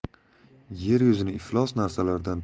yer yuzini iflos narsalardan